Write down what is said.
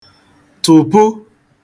tụ̀pu